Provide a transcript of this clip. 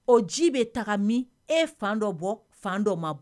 O ji bɛ taga min ? E ye fan dɔ bɔ fan dɔ ma bɔ.